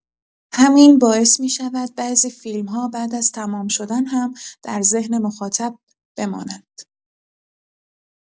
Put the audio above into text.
همین باعث می‌شود بعضی فیلم‌ها بعد از تمام شدن هم در ذهن مخاطب بمانند.